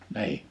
niin